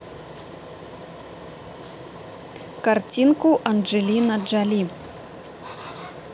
картинку анджелина джоли